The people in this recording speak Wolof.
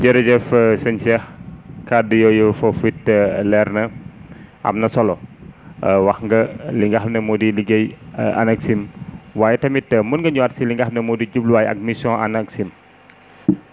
jërëjëf sën Cheikh kaddu yooyu foofu it leer na am na solo wax nga li nga xam ne moo di liggéey ANACIM waaye tamit mën nga ñëwaat si li nga xam ne moo di jubluwaay ak mission ANACIM